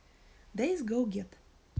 days go get